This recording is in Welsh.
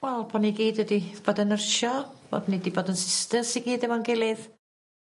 Wel bo' ni gyd wedi bod yn nyrsio bod ni 'di bod yn sisters i gyd efo'n gilydd.